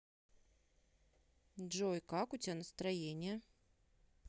джой как у тебя настроение